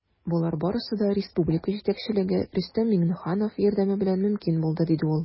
Болар барысы да республика җитәкчелеге, Рөстәм Миңнеханов, ярдәме белән мөмкин булды, - диде ул.